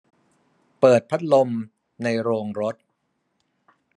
เปิดพัดลมในโรงรถ